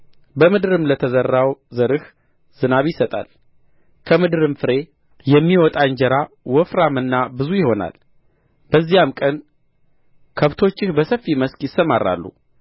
በምድርም ለተዘራው ዘርህ ዝናብ ይሰጣል ከምድርም ፍሬ የሚወጣ እንጀራ ወፍራምና ብዙ ይሆናል በዚያም ቀን ከብቶችህ በሰፊ መስክ ይሰማራሉ